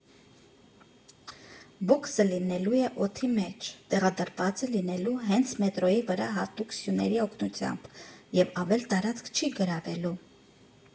Բոքսը լինելու է օդի մեջ, տեղադրված է լինելու հենց մետրոյի վրա հատուկ սյուների օգնությամբ և ավել տարածք չի գրավելու։